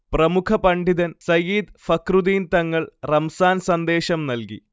പ്രമുഖ പണ്ഡിതൻ സയ്യിദ് ഫഖ്റുദ്ദീൻ തങ്ങൾ റംസാൻ സന്ദേശം നൽകി